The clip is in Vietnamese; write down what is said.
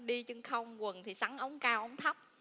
đi chân hông quần thì sắn ống cao ống thấp